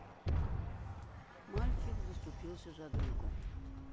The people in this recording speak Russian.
мальчик заступился за друга